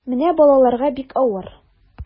Менә балаларга бик авыр.